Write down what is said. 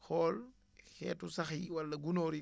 xool xeetu sax yi wala gunóor yi